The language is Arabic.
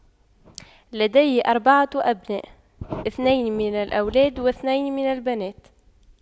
لديه أربعة أبناء اثنين من الأولاد واثنين من البنات